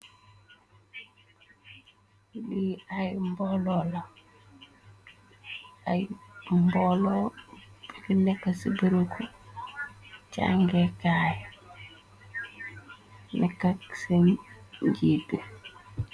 Li ayay mboolo la mboolo nekke ci bërubulegeyekaay nekkak se njiit bi.